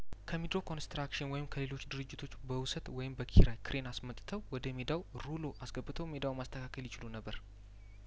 ከሚድሮክ ኮንስትራክሽን ወይም ከሌሎች ድርጅቶች በውሰት ወይም በኪራይክሬን አስመጥተው ወደ ሜዳው ሩሎ አስገብተው ሜዳውን ማስተካከል ይችሉ ነበር